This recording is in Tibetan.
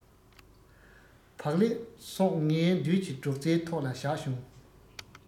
བག ལེབ སོགས ངའི མདུན གྱི སྒྲོག ཙེའི ཐོག ལ བཞག བྱུང